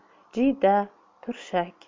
jiyda turshak